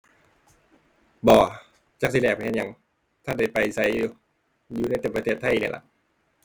บ่ จักสิแลกไปเฮ็ดหยัง ทันได้ไปไสอยู่ อยู่ได้แต่ประเทศไทยนี้ล่ะ